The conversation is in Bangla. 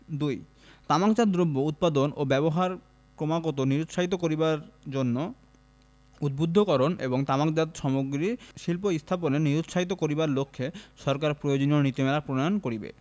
২ তামাকজাত দ্রব্য উৎপাদন ও ব্যবহার ক্রমাগত নিরুৎসাহিত করিবার জন্য উদ্বুদ্ধকরণ এবং তামাকজাত সামগ্রীর শিল্প স্থাপনে নিরুৎসাহিত করিবার লক্ষ্যে সরকার প্রয়োজনীয় নীতিমালা প্রণয়ন করিবে